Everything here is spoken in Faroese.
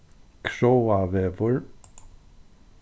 kráavegur